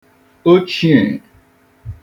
ochīè